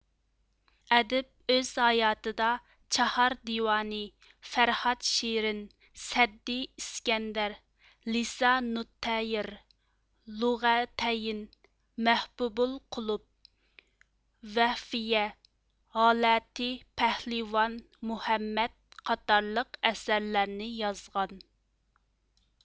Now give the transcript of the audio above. ئەدىب ئۆز ھاياتىدا چاھار دىۋانى فەرھاد شېرىن سەددى ئىسكەندەر لىسانۇتتەير لۇغەتەين مەھبۇبۇل قۇلۇپ ۋەففىيە ھالەتى پەھلىۋان مۇھەممەد قاتارلىق ئەسەرلەرنى يازغان